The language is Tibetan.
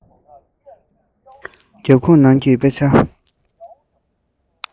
རྒྱབ ཁུག ནང གི དཔེ ཆ